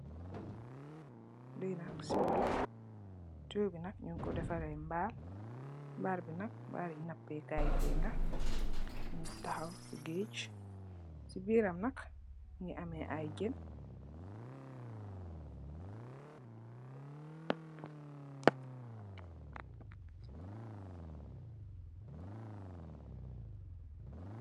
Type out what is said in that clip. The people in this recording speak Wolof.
Li nak siwo la, siwo bi nak ñing ko defaree mbal, mbal bi nak, mbali napèè kay jén la, mugii taxaw ci gaaj ci biram nak mugii ameh ay jén .